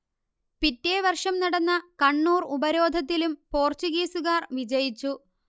പിറ്റെ വർഷം നടന്ന കണ്ണൂർ ഉപരോധത്തിലും പോർച്ചുഗീസുകാർ വിജയിച്ചു